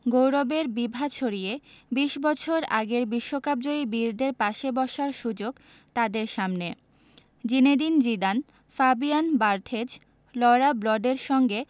গৌরবের বিভা ছড়িয়ে ২০ বছর আগের বিশ্বকাপজয়ী বীরদের পাশে বসার সুযোগ তাদের সামনে জিনেদিন জিদান ফাবিয়ান বার্থেজ লঁরা ব্লদের সঙ্গে